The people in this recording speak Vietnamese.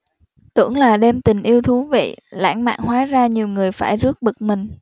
tưởng là đêm tình yêu thú vị lãng mạn hóa ra nhiều người phải rước bực mình